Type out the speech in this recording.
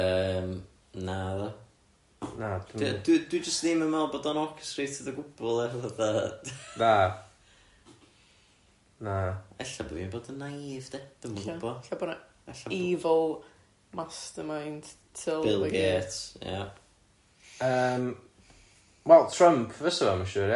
Yym, naddo? Na. Dwi'm, dwi dwi jyst ddim yn meddwl bod o'n orchestrated o gwbl ia, fatha... Na, na. Ella bo' fi'n bod yn naïf de, dwi'm yn gwybod... Ella ella bo'na evil mastermind tu ôl i... Bill Gates, ia. Yym, wel Trump fysa fo ma' siŵr ia?